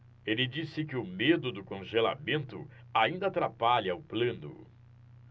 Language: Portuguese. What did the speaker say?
ele disse que o medo do congelamento ainda atrapalha o plano